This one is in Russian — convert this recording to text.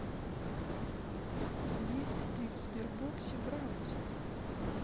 есть ли в сбербоксе браузер